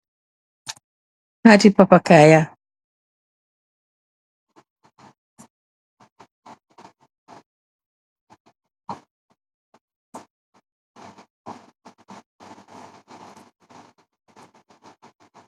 Tat ti papa kaya.